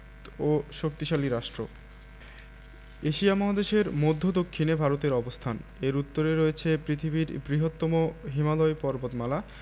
ও শক্তিশালী রাষ্ট্র এশিয়া মহাদেশের মদ্ধ্য দক্ষিনে ভারতের অবস্থানএর উত্তরে রয়েছে পৃথিবীর বৃহত্তম হিমালয় পর্বতমালা